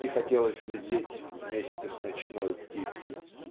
и хотелось лететь вместе с ночною птицей".